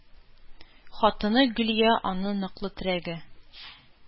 Хатыны Гөлия – аның ныклы терәге.